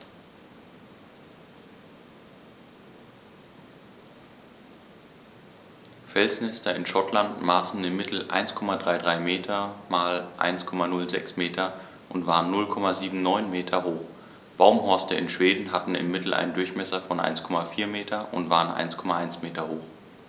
Felsnester in Schottland maßen im Mittel 1,33 m x 1,06 m und waren 0,79 m hoch, Baumhorste in Schweden hatten im Mittel einen Durchmesser von 1,4 m und waren 1,1 m hoch.